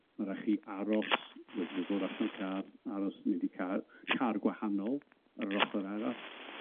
Ma' rai' i chi aros dod allan o'r car, aros, mynd i car car gwahanol ar yr ochor arall.